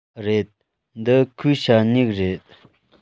རེད འདི ཁོའི ཞ སྨྱུག རེད